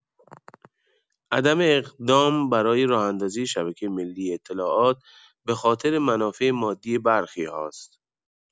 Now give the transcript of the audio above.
عدم اقدام برای راه‌اندازی شبکه ملی اطلاعات، بخاطر منافع مادی برخی‌ها ست.